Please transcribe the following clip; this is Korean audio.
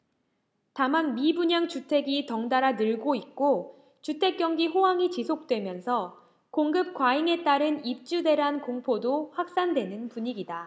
다만 미분양 주택이 덩달아 늘고 있고 주택경기 호황이 지속되면서 공급과잉에 따른 입주대란 공포도 확산되는 분위기다